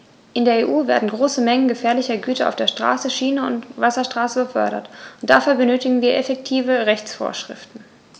In der EU werden große Mengen gefährlicher Güter auf der Straße, Schiene und Wasserstraße befördert, und dafür benötigen wir effektive Rechtsvorschriften.